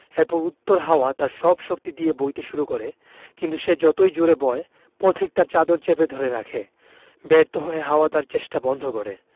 এরপর উত্তর হাওয়া তার সব শক্তি দিয়ে বইতে শুরু করে কিন্তু সে যতই জোড়ে বয় পথিক তার চাদর চেপে ধরে রাখে ব্যর্থ হয়ে হাওয়া তার চেষ্টা বন্ধ করে